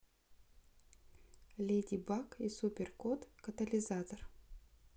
леди баг и супер кот катализатор